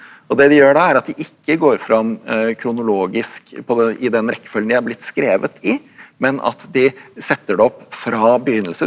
og det de gjør da er at de ikke går fram kronologisk på den i den rekkefølgen de er blitt skrevet i men at de setter det opp fra begynnelse.